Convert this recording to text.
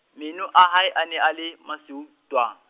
meno a hae a ne a le, masweu twaa .